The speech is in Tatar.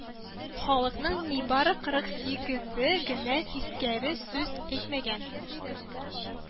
Халыкның нибары кырык сигезы гына тискәре сүз әйтмәгән